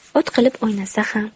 ot qilib o'ynasa ham